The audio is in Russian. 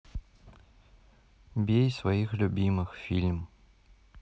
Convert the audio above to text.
бей своих любимых фильм